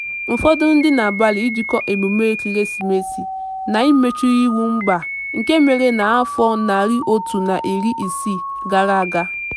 Ụfọdụ ndị na-agbalị ịjikọ emume ekeresimesi na mmechuihu mba nke mere afọ 160 gara aga.